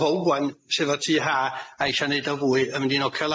Paul Gwan sefo'r tŷ ha a isio neud o fwy yn mynd i nocio